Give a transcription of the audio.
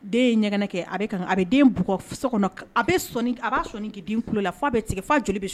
Dengɛn bug kɔnɔ'a sɔn k' la bɛ segin joli